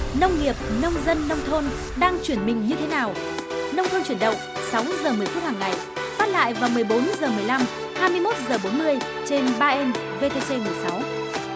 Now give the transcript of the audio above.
nông nghiệp nông dân nông thôn đang chuyển mình như thế nào nông thôn chuyển động sáu giờ mười phút hằng ngày phát lại vào mười bốn giờ mười lăm hai mươi mốt giờ bốn mươi trên ba em vê tê vê mười sáu